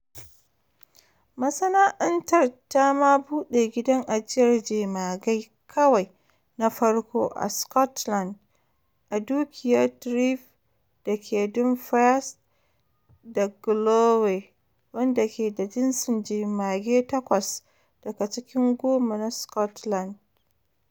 Masana’antar ta ma bude gidan ajiyar jemagai kawai na farko a Scotland a Dukiyar Threave dake Dumfires da Galloway, wanda ke da jinsi jemagai 8 daga cikin goma na Scotland.